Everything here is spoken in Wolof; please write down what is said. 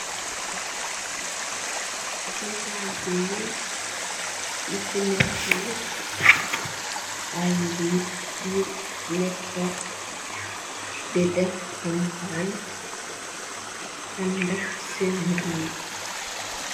Nital bini yi fi nexxa yepp ay nit yu nekka di def kampaan andaj sen nguur.